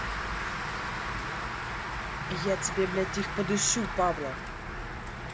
я тебе блять их подыщу павла